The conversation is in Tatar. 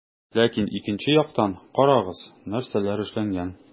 Ләкин икенче яктан - карагыз, нәрсәләр эшләнгән.